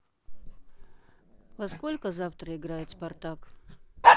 во сколько завтра играет спартак